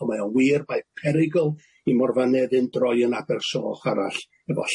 on' mae o'n wir mae perygl i Morfa Nefyn droi yn Abersoch arall efo